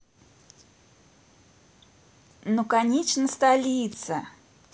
ну конечно столица